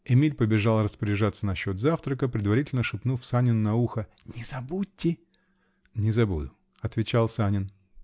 Эмиль побежал распоряжаться насчет завтрака, предварительно шепнув Санину на ухо: "Не забудьте!" -- Не забуду, -- отвечал Санин.